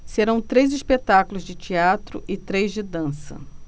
serão três espetáculos de teatro e três de dança